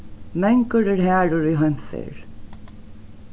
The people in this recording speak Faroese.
mangur er harður í heimferð